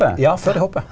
ja før dei hoppar.